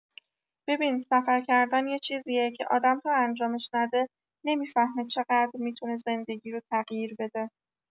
ببین، سفر کردن یه چیزیه که آدم تا انجامش نده، نمی‌فهمه چقدر می‌تونه زندگی رو تغییر بده.